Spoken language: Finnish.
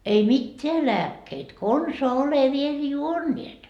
ei mitään lääkkeitä konsaan ole vielä juoneet